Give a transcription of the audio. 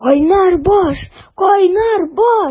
Кайнар баш, кайнар баш!